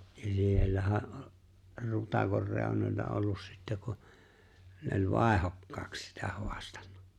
ja siellähän oli Rutakon reunoilla ollut sitten kun ne oli vaihdokkaaksi sitä haastanut